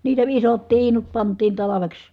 niitä isot tiinut pantiin talveksi